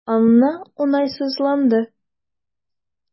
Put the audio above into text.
Анна уңайсызланды.